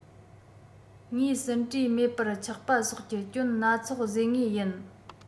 ངའི ཟིན བྲིས མེད པར ཆགས པ སོགས ཀྱི སྐྱོན སྣ ཚོགས བཟོས ངེས ཡིན